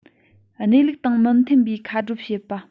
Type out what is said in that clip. གནས ལུགས དང མི མཐུན པའི ཁ སྒྲོབ བཤད པ